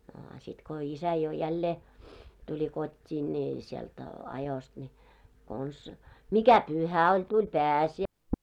no a sitten kun isä jo jälleen tuli kotiin niin sieltä ajosta niin konsa mikä pyhä oli tuli -